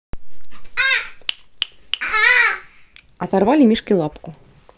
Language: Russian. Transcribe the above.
оторвали мишке лапку